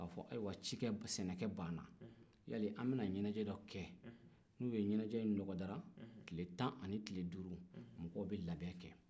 ayiwa sɛnɛkɛ banna hali an bɛna ɲɛnajɛ dɔ kɛ n'u ye ɲɛnajɛ in dɔgɔda tile tan ni duuru mɔgɔw bɛ labɛn kɛ